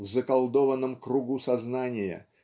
В заколдованном кругу сознания